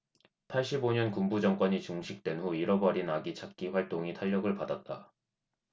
팔십 오 년 군부 정권이 종식된 후 잃어버린 아기 찾기 활동이 탄력을 받았다